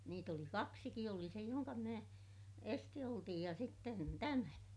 niitä oli kaksikin oli se jonka minä esisti otin ja sitten tämä